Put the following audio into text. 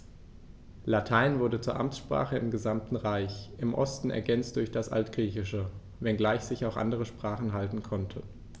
Latein wurde zur Amtssprache im gesamten Reich (im Osten ergänzt durch das Altgriechische), wenngleich sich auch andere Sprachen halten konnten.